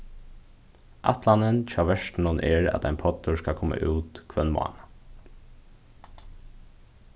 ætlanin hjá vertinum er at ein poddur skal koma út hvønn mánað